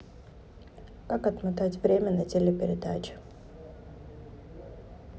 как отмотать время на телепередаче